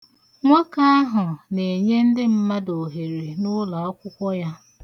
Nwoke ahụ na-enye ndị mmadụ ohere n'ụlọakwụkwọ ya.